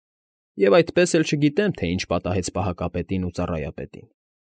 Ես այդպես էլ չգիտեմ, թե ինչ պատահեց պահակապետին ու ծառայապետին։